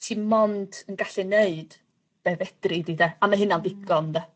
ti' mond yn gallu neud be' fedri di 'de? A ma' hynna'n ddigon 'de?